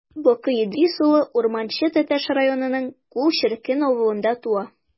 Бакый Идрис улы Урманче Тәтеш районының Күл черкен авылында туа.